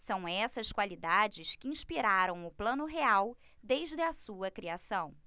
são essas qualidades que inspiraram o plano real desde a sua criação